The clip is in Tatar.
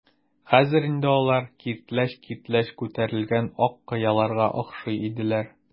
Хәзер инде алар киртләч-киртләч күтәрелгән ак кыяларга охшый иделәр.